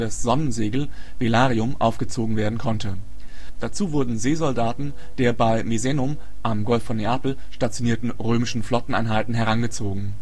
Sonnensegel (velarium) aufgezogen werden konnte. Dazu wurden Seesoldaten der bei Misenum (am Golf von Neapel) stationierten römischen Flotteneinheiten herangezogen